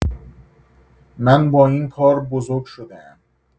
من با این کار بزرگ شده‌ام.